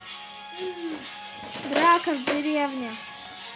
драка в деревне